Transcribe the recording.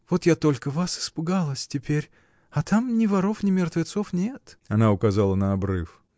— Вот я только вас испугалась теперь, а там ни воров, ни мертвецов нет. Она указала на обрыв.